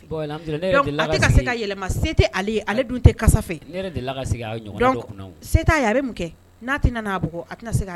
Bɛ' a